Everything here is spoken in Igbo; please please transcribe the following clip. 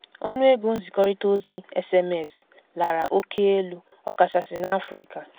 Ọnụego nzikọrịta ozi SMS lara oke elu, ọkachasị n'Africa.